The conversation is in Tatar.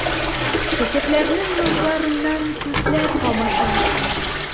Чәчәкләрнең нурларыннан күзләр камаша.